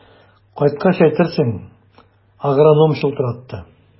Кайткач әйтерсең, агроном чылтыратты.